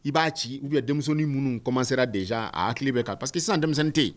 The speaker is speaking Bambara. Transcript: I b'a ci u bɛya denmisɛnnin minnu kɔmanse dez a hakili bɛ ka pa que sisan denmisɛnnin tɛ yen